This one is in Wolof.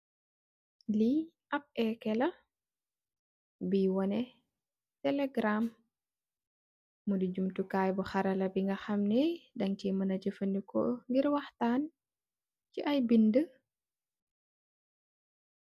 Li ap tabla lah munge waneh telegram muy mandar ga bu jaffa ndekoh pur wakhtan